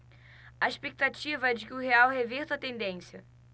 a expectativa é de que o real reverta a tendência